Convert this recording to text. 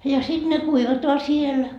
ja sitten ne kuivataan siellä